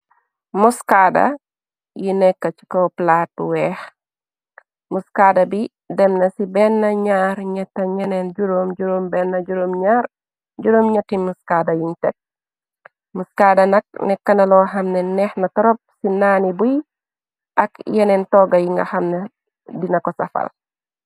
Muscaada yi nekk ci kaw plaatu weex muscada bi demna ci 1 2 3 4 5 6 7 8 muscaada yiñ tek muscaada nak nekknaloo xamne neexna torop ci naani buy ak yeneen togga yi nga xamna dina ko safal.